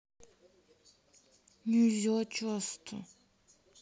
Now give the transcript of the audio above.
нельзя часто